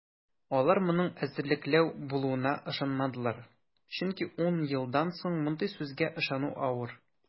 Алар моның эзәрлекләү булуына ышанмадылар, чөнки ун елдан соң мондый сүзгә ышану авыр.